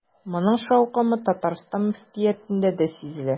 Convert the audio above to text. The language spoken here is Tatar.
Моның шаукымы Татарстан мөфтиятендә дә сизелә.